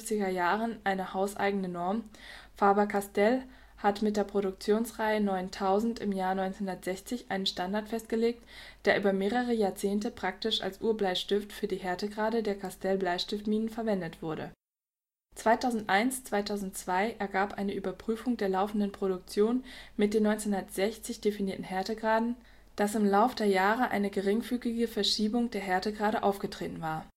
1950er Jahren eine hauseigene Norm, Faber-Castell hat mit der Produktionsreihe 9000 im Jahr 1960 einen Standard festgelegt, der über mehrere Jahrzehnte praktisch als Urbleistift für die Härtegrade der Castell-Bleistiftminen verwendet wurde. 2001/2002 ergab eine Überprüfung der laufenden Produktion mit den 1960 definierten Härtegraden, dass im Lauf der Jahre eine geringfügige Verschiebung der Härtegrade aufgetreten war